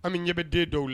An bɛ ɲɛ bɛ den dɔw la